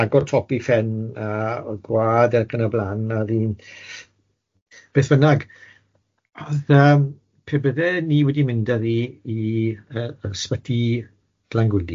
Agor top 'i phen ac o'dd gwad ac yn y blan a o'dd hi'n beth bynnag o'dd yym pe bydde ni wedi mynd a ddi i yy ysbyty Glangwdi,